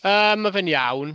Yym, ma' fe'n iawn.